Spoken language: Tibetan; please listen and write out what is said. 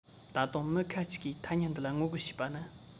ད དུང མི ཁ ཅིག གིས ཐ སྙད འདི ལ ངོ རྒོལ བྱེད པ ནི